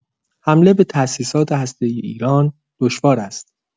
حمله به تاسیاست هسته‌ای ایران دشوار است.